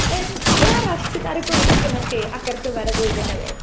Yym, be arall sydd ar y gweill gynnoch chi, ac ar gyfer y flwyddyn newydd?